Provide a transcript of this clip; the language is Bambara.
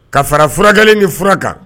Ka fara furakɛ ni fura kan